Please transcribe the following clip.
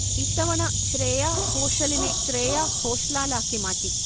ഇത്തവണ ശ്രേയാ ഘോഷലിനെ ശ്രേയാ ഘോഷ്ലാലാക്കി മാറ്റി